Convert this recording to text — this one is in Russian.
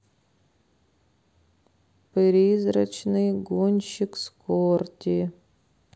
призрачный гонщик скорти